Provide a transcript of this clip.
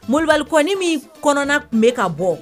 Mobali kɔn ni min kɔnɔna tun bɛ ka bɔ